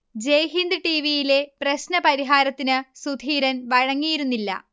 ജയ്ഹിന്ദ് ടിവിയിലെ പ്രശ്ന പരിഹാരത്തിന് സുധീരൻ വഴങ്ങിയിരുന്നില്ല